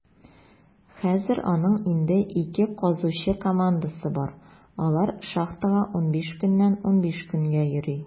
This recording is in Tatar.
Хәзер аның инде ике казучы командасы бар; алар шахтага 15 көннән 15 көнгә йөри.